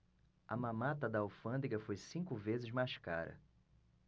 a mamata da alfândega foi cinco vezes mais cara